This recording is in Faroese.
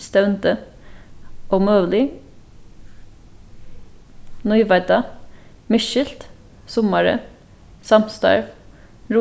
stevndi ómøgulig nýveidda misskilt summarið samstarv